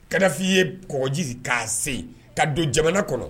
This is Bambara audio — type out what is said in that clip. Karifin ye kɔji k'a sen ka don jamana kɔnɔ